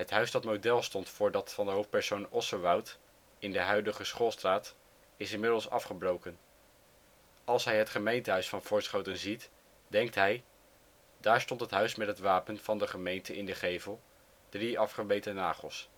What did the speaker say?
huis dat model stond voor dat van de hoofdpersoon Osewoudt - in de huidige Schoolstraat - is inmiddels afgebroken. Als hij het gemeentehuis van Voorschoten ziet, denkt hij: " Daar stond het huis met het wapen van de gemeente in de gevel: drie afgebeten nagels